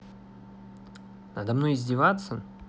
надо мной издеваться